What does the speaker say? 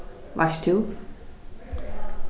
veitst tú